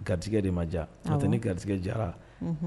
Garisɛkɛ de ma diya, awɔ, n'o tɛ ni igarsɛkɛ diyala, unhun.